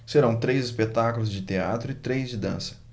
serão três espetáculos de teatro e três de dança